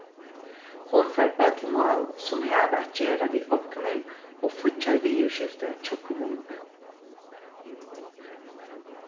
hon fær øll mál sum hava at gera við ognir og fíggjarviðurskifti hjá kommununi